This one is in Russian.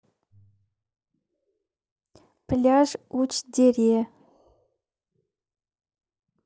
пляж уч дере